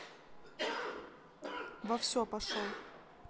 во все пошел